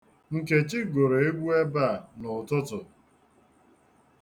Nkechi gụrụ egwu ebe a n'ụtụtụ.